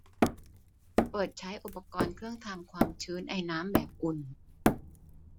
เปิดใช้อุปกรณ์เครื่องทำความชื้นไอน้ำแบบอุ่น